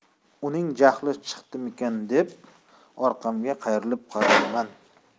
uning jahli chiqdimikin deb orqamga qayrilib qarayman